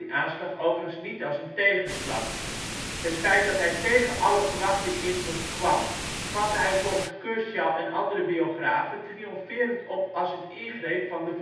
aanslag overigens niet als een tegenslag; het feit dat hij tegen alle verwachting in ontkwam vatte hij volgens Kershaw en andere biografen triomferend op als een ingreep van ' de Voorzienigheid